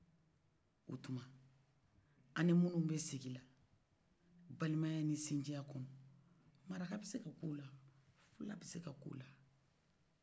o tuman an ni minu bɛsigila balimaya ni sinjiya kɔnɔ maraka bɛ se kakɛwla fila bɛ se kakɛwla